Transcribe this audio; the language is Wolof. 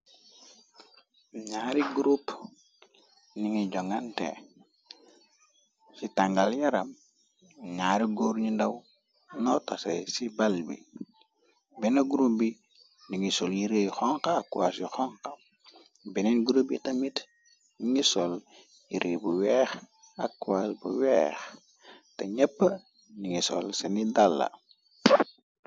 Ñaari grup ni ngi jongante ci tangal yaram, ñaari góor ñu ndaw nootasay ci bal bi, benn grop bi ñi ngi sol yirée yu xonxa, ak kawaas yu xonxa, beneen grup bi tamit ñingi sol yirée bu weex ak kawaas bu weex, te ñepp ñingi sol sa ni dalla.